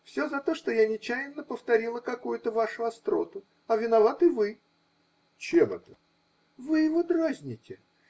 Все за то, что я нечаянно повторила какую-то вашу остроту. А виноваты вы. -- Чем это? -- Вы его дразните.